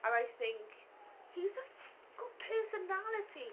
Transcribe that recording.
and I think, he's just got personality.